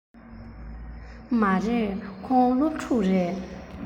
མ རེད ཁོང སློབ ཕྲུག རེད